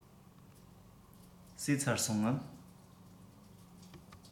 ཟོས ཚར སོང ངམ